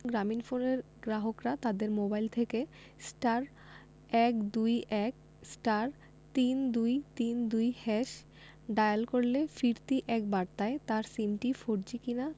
গ্রামীণফোনের গ্রাহকরা তাদের মোবাইল থেকে *১২১*৩২৩২# ডায়াল করলে ফিরতি এক বার্তায় তার সিমটি ফোরজি কিনা